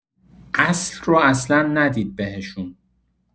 اصل رو اصلا ندید بهشون